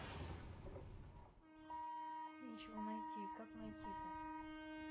нечего найти как найти то